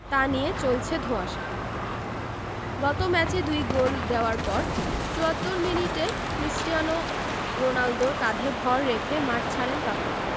তা নিয়ে চলছে ধোঁয়াশা গত ম্যাচে দুই গোল দেওয়ার পর ৭৪ মিনিটে ক্রিস্টিয়ানো রোনালদোর কাঁধে ভর রেখে মাঠ ছাড়েন কাভানি